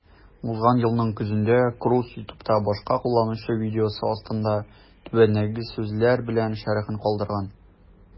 Узган елның көзендә Круз YouTube'та башка кулланучы видеосы астында түбәндәге сүзләр белән шәрехен калдырган: